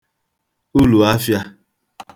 ulù afịā